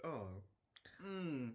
O, mm